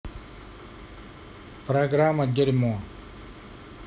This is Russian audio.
программа дерьмо